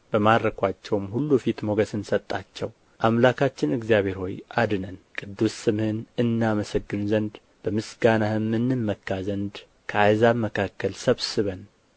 በማረኩአቸውም ሁሉ ፊት ሞገስን ሰጣቸው አምላካችን እግዚአብሔር ሆይ አድነን ቅዱስ ስምህን እናመሰግን ዘንድ በምስጋናህም እንመካ ዘንድ ከአሕዛብ መካከል ሰብስበን